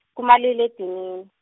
kumalile edinini.